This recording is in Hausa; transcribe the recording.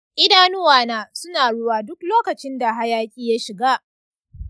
idanuwa na suna ruwa duk lokacin da hayaƙi ya shiga.